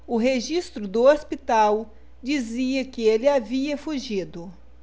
o registro do hospital dizia que ele havia fugido